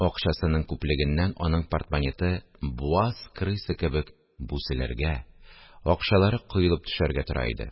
Акчасының күплегеннән аның портмонеты буаз крыса кебек бүселергә, акчалары коелып төшәргә тора иде